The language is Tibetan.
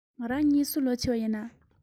ང རང གཉིས སུ ལོ ཆེ བ ཡོད ན